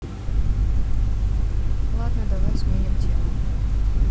ладно давай сменим тему